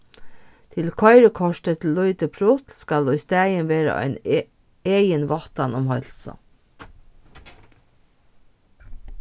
til koyrikortið til lítið prutl skal í staðin vera ein eginváttan um heilsu